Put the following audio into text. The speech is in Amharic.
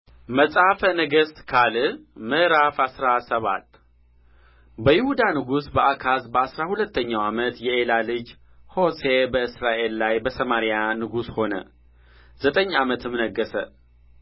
መጽሐፈ ነገሥት ካልዕ ምዕራፍ አስራ ሰባት በይሁዳ ንጉሥ በአካዝ በአሥራ ሁለተኛው ዓመት የኤላ ልጅ ሆሴዕ በእስራኤል ላይ በሰማርያ ንጉሥ ሆነ ዘጠኝ ዓመትም ነገሠ